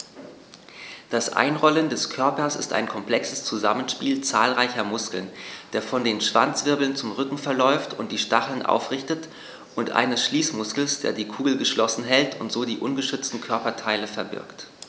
Das Einrollen des Körpers ist ein komplexes Zusammenspiel zahlreicher Muskeln, der von den Schwanzwirbeln zum Rücken verläuft und die Stacheln aufrichtet, und eines Schließmuskels, der die Kugel geschlossen hält und so die ungeschützten Körperteile verbirgt.